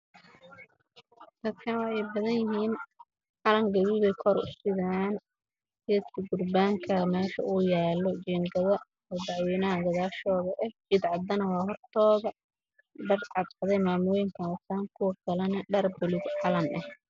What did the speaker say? Dadka wey badan yihiin calan gaduud bey kor u sidaan